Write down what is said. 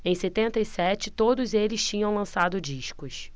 em setenta e sete todos eles tinham lançado discos